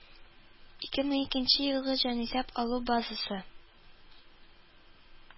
Ике мең икенче елгы җанисәп алу базасы